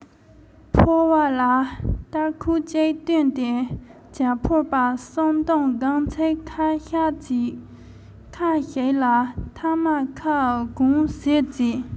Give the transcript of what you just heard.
ཕོར བ ལ སྟར ཁོག ཅིག བཏོན ཏེ ཇ ཕོར པ གསུམ བཏུངས སྒམ ཚིག ཁ བཤགས ཕྱེད ཁ ཞིག ལ ཐ མ ཁའི གང ཟེ བྱས